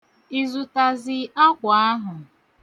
Ị zụtazi akwa ahụ?